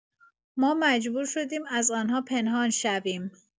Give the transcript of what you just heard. ما مجبور شدیم از آن‌ها پنهان شویم.